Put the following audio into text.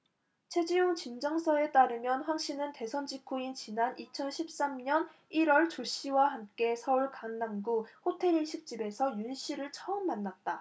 최지용진정서에 따르면 황씨는 대선 직후인 지난 이천 십 삼 년 일 월 조씨와 함께 서울 강남구 호텔 일식집에서 윤씨를 처음 만났다